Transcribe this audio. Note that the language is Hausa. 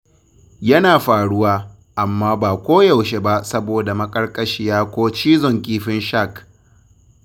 Yana faruwa, amma ba koyaushe ba saboda maƙarƙashiya ko cizon kifin shak.